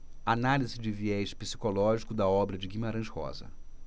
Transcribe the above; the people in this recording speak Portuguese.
análise de viés psicológico da obra de guimarães rosa